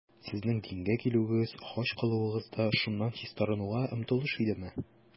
Сезнең дингә килүегез, хаҗ кылуыгыз да шуннан чистарынуга омтылыш идеме?